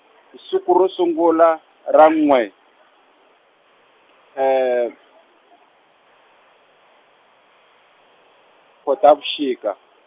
hi siku ra sungula ra n'we, , khotavuxika.